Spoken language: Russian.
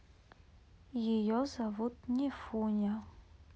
ее зовут не фуня